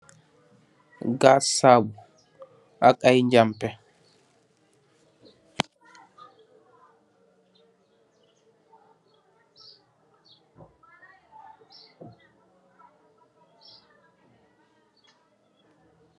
Gaas saabu, ak aye njampeh.